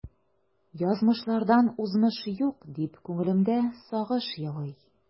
Язмышлардан узмыш юк, дип күңелемдә сагыш елый.